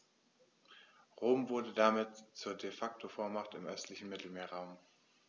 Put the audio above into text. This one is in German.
Rom wurde damit zur ‚De-Facto-Vormacht‘ im östlichen Mittelmeerraum.